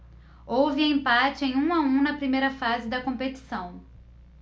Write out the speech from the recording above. houve empate em um a um na primeira fase da competição